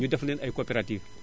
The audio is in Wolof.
ñu def leen ay coopératives